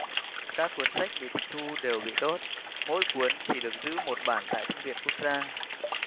các cuốn sách bị tịch thu đều bị đốt mỗi cuốn chỉ được giữ một bản tại thư viện quốc gia